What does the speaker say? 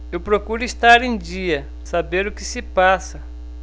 eu procuro estar em dia saber o que se passa